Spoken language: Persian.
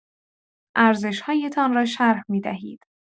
ارزش‌هایتان را شرح می‌دهید.